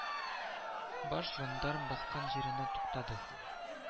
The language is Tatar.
Баш жандарм баскан җирендә туктады